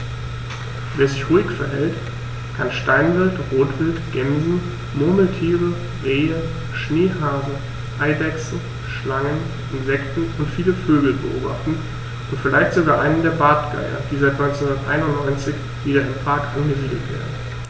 Wer sich ruhig verhält, kann Steinwild, Rotwild, Gämsen, Murmeltiere, Rehe, Schneehasen, Eidechsen, Schlangen, Insekten und viele Vögel beobachten, vielleicht sogar einen der Bartgeier, die seit 1991 wieder im Park angesiedelt werden.